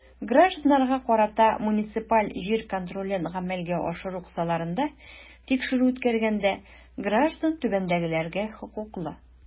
Гражданнарга карата муниципаль җир контролен гамәлгә ашыру кысаларында тикшерү үткәргәндә граждан түбәндәгеләргә хокуклы.